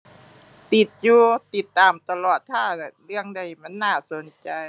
ติดอยู่ ติดตามตลอดถ้าเรื่องใดมันน่าสนใจ